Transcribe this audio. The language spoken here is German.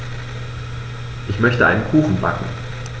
Ich möchte einen Kuchen backen.